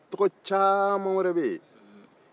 tɔgɔ caman wɛre bɛ yen